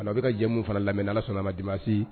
I sanɔn, a bɛka ka jɛmu fana lamɛn n'ala sɔnna ma dimanche